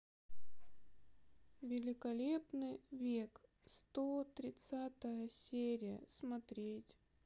великолепный век сто тридцатая серия смотреть